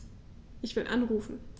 Ich will anrufen.